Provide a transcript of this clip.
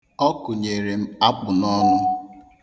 Ọ kụnyere m akpụ n'ọnụ.